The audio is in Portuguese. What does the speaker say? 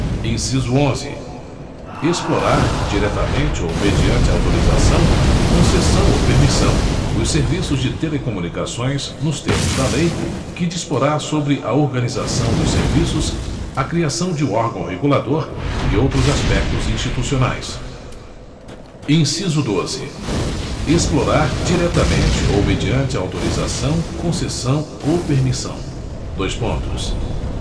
inciso onze explorar diretamente ou mediante autorização concessão ou permissão os serviços de telecomunicações nos termos da lei que disporá sobre a organização dos serviços a criação de um órgão regulador e outros aspectos institucionais inciso doze explorar diretamente ou mediante autorização concessão ou permissão dois pontos